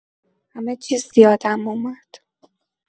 همه چیز یادم اومد.